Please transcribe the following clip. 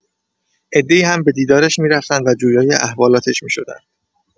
عده‌ای هم به دیدارش می‌رفتند و جویای احوالاتش می‌شدند.